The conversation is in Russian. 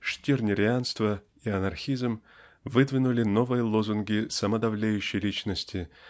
штирнерианство и анархизм выдвинули новые лозунги самодовлеющей личности